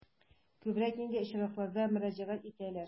Күбрәк нинди очракларда мөрәҗәгать итәләр?